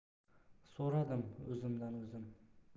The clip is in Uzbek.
so'rardim o'zimdan o'zim